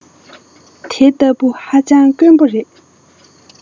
དེ ལྟ བུ ཧ ཅང དཀོན པོ རེད